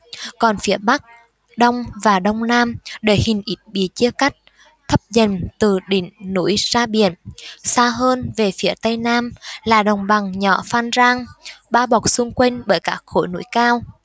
còn phía bắc đông và đông nam địa hình ít bị chia cắt thấp dần từ đỉnh núi ra biển xa hơn về phía tây nam là đồng bằng nhỏ phan rang bao bọc xung quanh bởi các khối núi cao